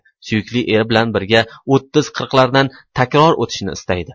suyukli eri bilan birga o'ttiz qirqlardan takror o'tishni istaydi